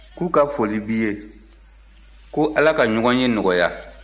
k'u ka foli b'i ye ko ala ka ɲɔgɔnye nɔgɔya